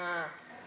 ờ